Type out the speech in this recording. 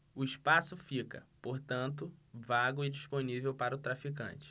o espaço fica portanto vago e disponível para o traficante